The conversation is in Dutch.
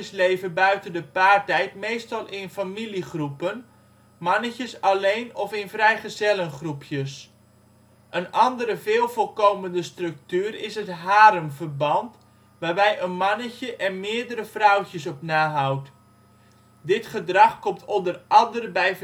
leven buiten de paartijd meestal in (familie) groepen, mannetjes alleen of in vrijgezellengroepjes. Een andere veelvoorkomende structuur is het haremverband, waarbij een mannetje er meerdere vrouwtjes op na houdt. Dit gedrag komt onder andere bij